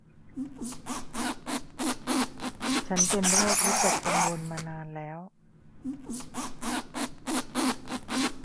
ฉันเป็นโรควิตกกังวลมานานแล้ว